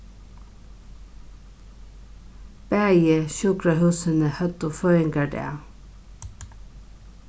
bæði sjúkrahúsini høvdu føðingardag